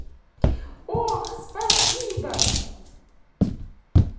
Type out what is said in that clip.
ох спасибо